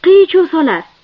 qiy chuv solar